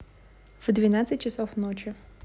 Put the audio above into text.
в двенадцать часов ночи